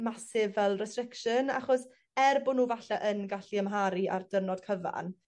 massive fel restriction achos er bo' n'w falle yn gallu ymharu ar di'rnod cyfan